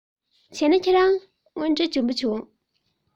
བྱས ན ཁྱེད རང དངོས འབྲེལ འཇོན པོ བྱུང